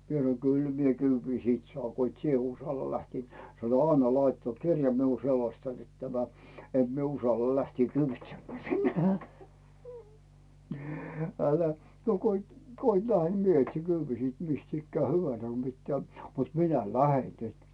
minä sanoin kyllä minä kyydin sitten saan kun et sinä uskalla lähteä sanoi anna laittaa mutta kirja minulla että selostan että tämä että minä uskallan lähteä kyyditsemään sinne älä no kun et kun et lähde niin minä etsin kyydin sitten mistä ikään hyvänsä kun pitää mutta minä lähden nyt